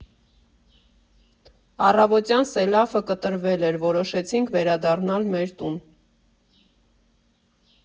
Առավոտյան սելավը կտրվել էր, որոշեցինք վերադառնալ մեր տուն։